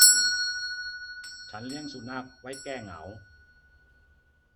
ฉันเลี้ยงสุนัขไว้แก้เหงา